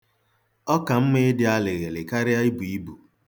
Ọ ka mma ịdị alịghịlị karịa ibu ibu.